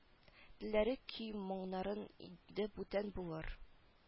Телләре көй-моңнарын инде бүтән булыр